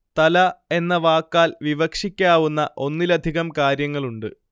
തല എന്ന വാക്കാല്‍ വിവക്ഷിക്കാവുന്ന ഒന്നിലധികം കാര്യങ്ങളുണ്ട്